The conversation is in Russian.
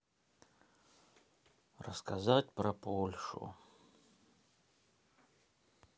рассказать про польшу